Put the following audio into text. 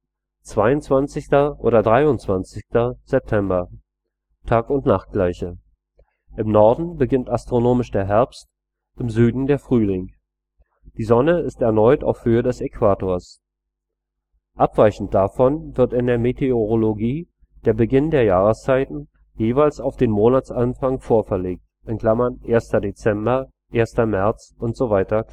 22. oder 23. September: Tagundnachtgleiche: Im Norden beginnt astronomisch der Herbst, im Süden der Frühling. Die Sonne ist erneut auf Höhe des Äquators. Abweichend davon wird in der Meteorologie der Beginn der Jahreszeiten jeweils auf den Monatsanfang vorverlegt (1. Dezember, 1. März usw.